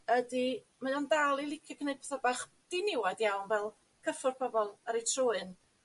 ydy mae o'n dal i licio gneud bach diniwad iawn fel cyffor pobol ar eu trwyn.